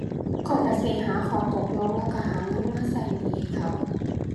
ข้อยก็สิหาข้อตกลง แล้วก็หาเงินมาก็หนี้ให้เขา